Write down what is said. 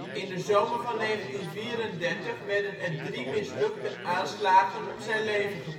In de zomer van 1934 werden er drie mislukte aanslagen op zijn leven